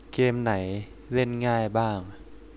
เกมไหนเล่นง่ายบ้าง